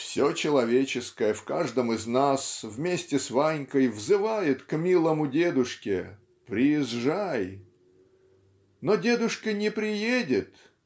Все человеческое в каждом из нас вместе с Ванькой взывает к милому дедушке приезжай. Но дедушка не приедет.